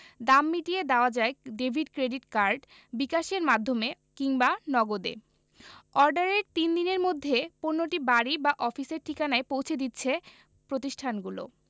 দাম মিটিয়ে দেওয়া যায় ডেভিড ক্রেডিট কার্ড বিকাশের মাধ্যমে কিংবা নগদে অর্ডারের তিন দিনের মধ্যে পণ্যটি বাড়ি বা অফিসের ঠিকানায় পৌঁছে দিচ্ছে প্রতিষ্ঠানগুলো